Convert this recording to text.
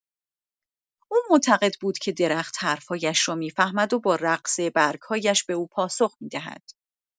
او معتقد بود که درخت حرف‌هایش را می‌فهمد و با رقص برگ‌هایش به او پاسخ می‌دهد.